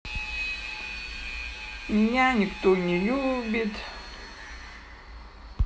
меня никто не любит